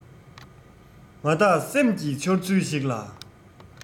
མ བརྟགས སེམས ཀྱི འཆར ཚུལ ཞིག ལ